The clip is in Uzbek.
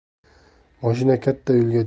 mashina katta yo'lga